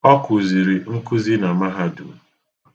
Ọ kụziri nkụzi na Mahadum.